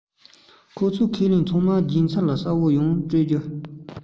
ཁོ ཚོས ཁས ལེན ཚང མ སྦྱིན ཚར ལ གསལ པོ ཡང སྤྲོད རྒྱུ